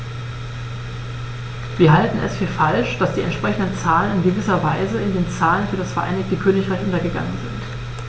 Wir halten es für falsch, dass die entsprechenden Zahlen in gewisser Weise in den Zahlen für das Vereinigte Königreich untergegangen sind.